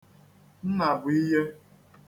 Nnàbụ̀iye